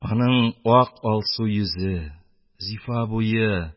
Аның алсу ак йөзе... зифа буе,